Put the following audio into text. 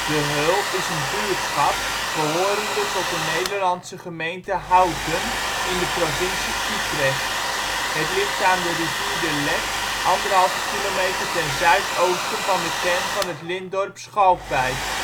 Heul is een buurtschap behorende tot de Nederlandse gemeente Houten, in de provincie Utrecht. Het ligt aan de rivier de Lek 1,5 kilometer ten zuidoosten van de kern van het lintdorp Schalkwijk